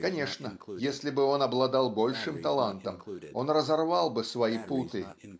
Конечно, если бы он обладал большим талантом, он разорвал бы свои путы